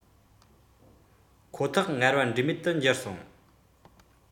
ཁོ ཐག ངལ བ འབྲས མེད དུ གྱུར སོང